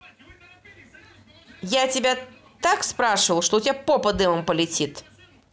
я тебя так спрашивал что у тебя попа дымом полетит